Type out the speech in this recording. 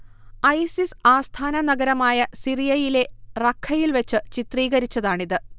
ISIS ആസ്ഥാന നഗരമായ സിറിയയിലെ റഖ്ഖയിൽ വച്ച് ചിത്രീകരിച്ചതാണിത്